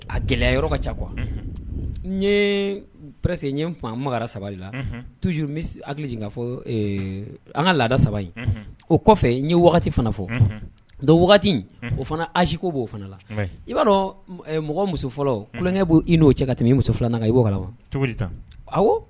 A gɛlɛya yɔrɔ ka ca kuwa n que ye kuma magara sabaliri la tu bɛ hakili jigin k' fɔ an ka laada saba in o kɔfɛ n ye wagati fana fɔ don wagati o fana azko b'o i b'a dɔn mɔgɔ muso fɔlɔ tulonkɛ b' i n'o cɛ ka tɛmɛ i muso filanan i b'o a